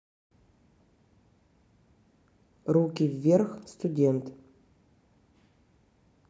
руки вверх студент